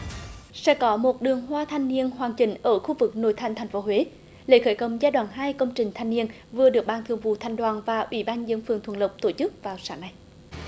sẽ có một đường hoa thanh niên hoàn chỉnh ở khu vực nội thành thành phố huế lễ khởi công giai đoạn hai công trình thanh niên vừa được ban thường vụ thành đoàn và ủy ban nhân dân phường thuận lộc tổ chức vào sáng nay